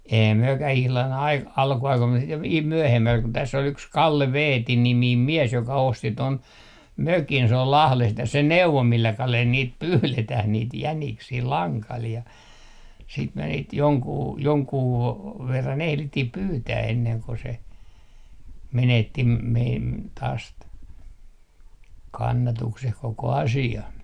eihän mekään ihan - alkuaikoina mutta sitten - myöhemmällä kun tässä oli yksi Kalle Veeti niminen mies joka osti tuon mökin se oli Lahdesta ja se neuvoi millä kalella niitä pyydetään niitä jäniksiä langalla ja sitten me niitä jonkun jonkun verran ehdittiin pyytää ennen kuin se menetti meidän taas - kannatuksen koko asia